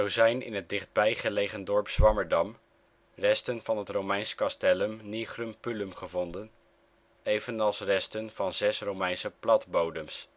zijn in het dichtbij gelegen dorp Zwammerdam resten van het Romeins castellum Nigrum Pullum gevonden, evenals resten van 6 Romeinse platbodems